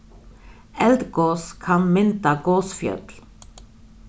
eldgos kann mynda gosfjøll